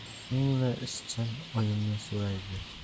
so'ngra ishchan oyimni so'raydi